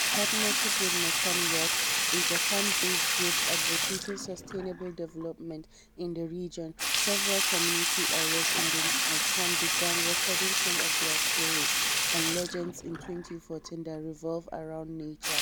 In partnership with Mekong Watch, a Japan-based group advocating sustainable development in the region, several community elders in the Mekong began recording some of their stories and legends in 2014 that revolve around nature.